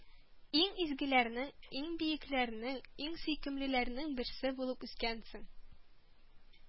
Иң изгеләрнең, иң бөекләрнең, иң сөйкемлеләрнең берсе булып үскәнсең